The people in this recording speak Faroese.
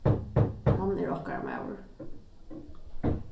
hann er okkara maður